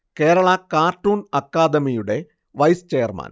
Kerala cartoon അക്കാദമിയുടെ vice chairman